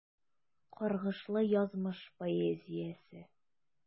Каргышлы язмыш поэзиясе.